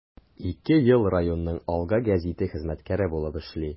Ике ел районның “Алга” гәзите хезмәткәре булып эшли.